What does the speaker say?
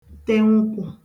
te nkwụ